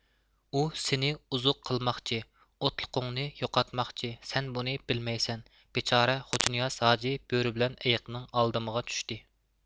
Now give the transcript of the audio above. ئۇ سېنى ئوزۇق قىلماقچى ئوتلۇقۇڭنى يوقاتماقچى سەن بۇنى بىلمەيسەن بىچارە غوجانىياز ھاجى بۆرە بىلەن ئېيىقنىڭ ئالدىمىغا چۈشتى